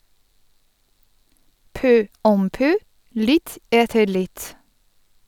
PØ OM PØ - litt etter litt.